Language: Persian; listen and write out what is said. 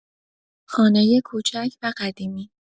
خانه کوچک و قدیمی